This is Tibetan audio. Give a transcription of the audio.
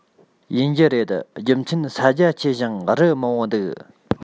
ཡིན རྒྱུ རེད རྒྱུ མཚན ས རྒྱ ཆེ ཞིང རི མང པོ འདུག